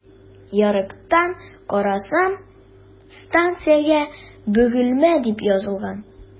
Ярыктан карасам, станциягә “Бөгелмә” дип язылган.